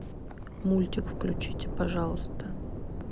мультик включите пожалуйста